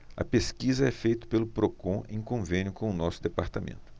a pesquisa é feita pelo procon em convênio com o diese